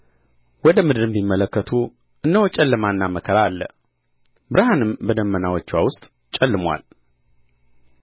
ወደ ምድርም ቢመለከቱ እነሆ ጨለማና መከራ አለ ብርሃንም በደመናዎችዋ ውስጥ ጨልሞአል